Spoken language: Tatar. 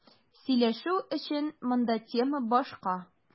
Сөйләшү өчен монда тема башка.